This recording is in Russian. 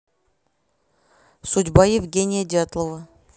судьба евгения дятлова